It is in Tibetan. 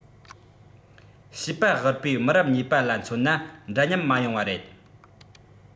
བྱིས པ དབུལ པོའི མི རབས གཉིས པ ལ མཚོན ན འདྲ མཉམ མ ཡོང བ རེད